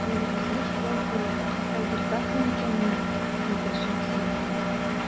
Авылыбызны шулай хурлыкка калдыртасың микәнни? - диде Шәмси мулла.